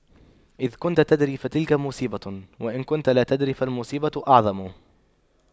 إذا كنت تدري فتلك مصيبة وإن كنت لا تدري فالمصيبة أعظم